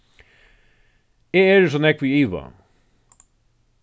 eg eri so nógv í iva